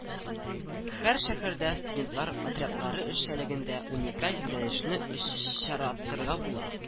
Һәр шәһәрдә студентлар отрядлары эшчәнлегендә уникаль юнәлешне очратырга була